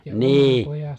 niin